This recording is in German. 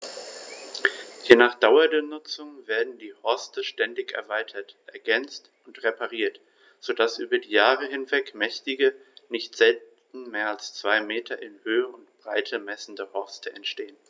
Je nach Dauer der Nutzung werden die Horste ständig erweitert, ergänzt und repariert, so dass über Jahre hinweg mächtige, nicht selten mehr als zwei Meter in Höhe und Breite messende Horste entstehen.